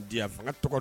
Tɔgɔ